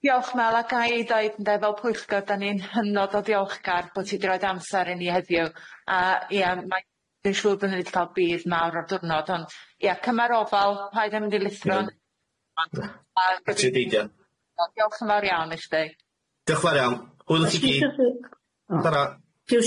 Diolch Mel ac a i ddeud ynde fel pwyllgor dan ni'n hynod o ddiolchgar bo' ti di roid amsar i ni heddiw a ie mae'n siŵr bo' ni'n gallu bydd mawr o'r diwrnod ond ie cymar ofal paid â mynd i luthron ond yy a yy yy diolch yn fawr iawn i chdi.